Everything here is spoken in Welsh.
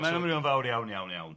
Ma'n amrywio'n fawr iawn, iawn, iawn.